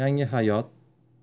yangi hayot